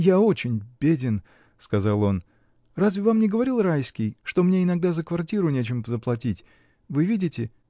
— Я очень беден, — сказал он, — разве вам не говорил Райский, что мне иногда за квартиру нечем заплатить: вы видите?